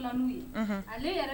;Unhun; Ale yɛrɛ